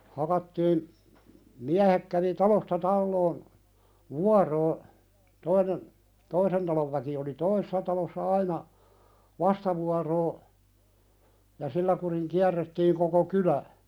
hakattiin miehet kävi talosta taloon vuoroa toinen toisen talon väki oli toisessa talossa aina vastavuoroisesti ja sillä kurin kierrettiin koko kylä